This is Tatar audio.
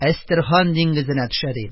Әчтерхан диңгезенә төшә, - ди.